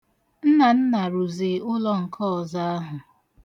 Nnanna rụzi ụlọ nke ọzọ ahụ.